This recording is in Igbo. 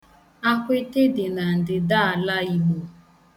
Akweete dị na ndịda ala Igbo.